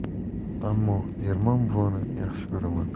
ammo ermon buvani yaxshi ko'raman